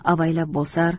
avaylab bosar